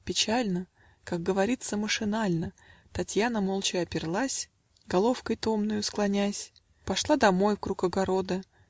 Печально (Как говорится, машинально) Татьяна молча оперлась, Головкой томною склонясь Пошли домой вкруг огорода